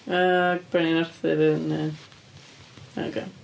O, Brenin Arthur yn yy... Ocê.